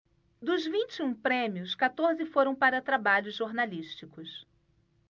dos vinte e um prêmios quatorze foram para trabalhos jornalísticos